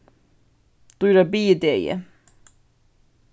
dýra biðidegi